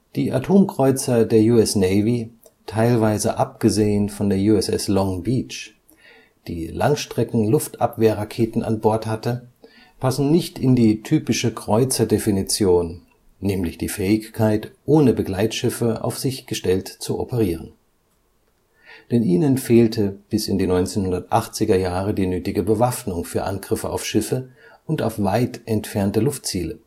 Die Atomkreuzer der US Navy, teilweise abgesehen von der USS Long Beach, die Langstreckenluftabwehrraketen an Bord hatte, passen nicht in die typische Kreuzer-Definition, nämlich die Fähigkeit, ohne Begleitschiffe auf sich gestellt zu operieren. Denn ihnen fehlte bis in die 1980er Jahre die nötige Bewaffnung für Angriffe auf Schiffe und auf weit entfernte Luftziele